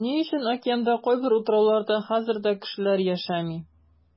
Ни өчен океанда кайбер утрауларда хәзер дә кешеләр яшәми?